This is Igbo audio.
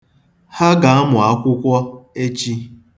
Ha ga-amụ akwụkwọ echi.